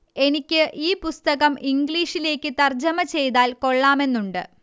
എനിക്ക് ഈ പുസ്തകം ഇംഗ്ലീഷിലേക്ക് തർജ്ജമ ചെയ്താൽ കൊള്ളാമെന്നുണ്ട്